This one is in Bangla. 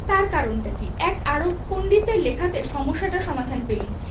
তার কারণটা কি এক আরব পণ্ডিতের লেখাতে সমস্যাটার সমাধান পেলুম